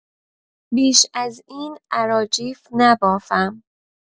بیش از این اراجیف نبافم.